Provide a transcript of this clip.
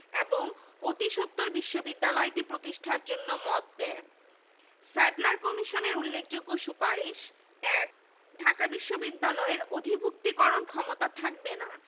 পাঠানোর সিদ্ধান্ত হয় ওই বছর ১৮ মার্চ এটি আইনে পরিণত হয় ১৯২০ সালের ২৩ March the Dhaka University Act governor জেনারেলের অনুমোদন লাভ করে